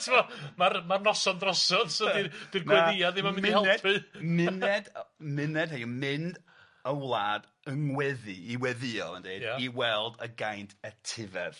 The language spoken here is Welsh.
T'mo ma'r ma'r noson drosodd so 'di'r dyw gweddïa... Na. ...ddim yn mynd i helpu. Myned myned o- myned neu yn mynd y wlad yng ngweddu i weddïo yndi. Ia. I weld y gaint etifedd.